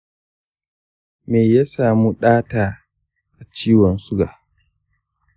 me ya samu ɗata a ciwon suga?